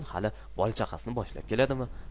hali bola chaqasini boshlab keladimi